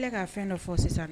Ale bɛ k kaa fɛn dɔ fɔ sisan